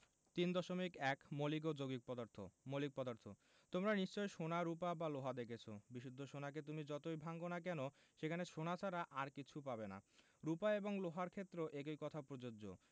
৩.১ মৌলিক ও যৌগিক পদার্থঃ মৌলিক পদার্থ তোমরা নিশ্চয় সোনা রুপা বা লোহা দেখেছ বিশুদ্ধ সোনাকে তুমি যতই ভাঙ না কেন সেখানে সোনা ছাড়া আর কিছু পাবে না রুপা এবং লোহার ক্ষেত্রেও একই কথা প্রযোজ্য